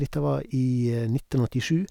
Dette var i nitten åttisju.